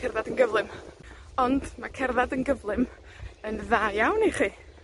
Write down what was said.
cerddad yn gyflym. Ond, ma' cerddad yn gyflym yn dda iawn i chi.